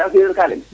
ande sereer ka ley